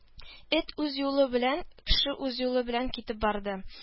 Эт үз юлы белән, кеше үз юлы белән китеп барды